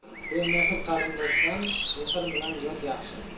bemehr qarindoshdan mehr bilgan yot yaxshi